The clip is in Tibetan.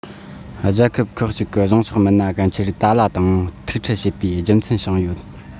རྒྱལ ཁབ ཁག གཅིག གི གཞུང ཕྱོགས མི སྣ གལ ཆེར ཏཱ ལ དང ཐུག འཕྲད བྱེད པའི རྒྱུ མཚན བྱུང ཡོད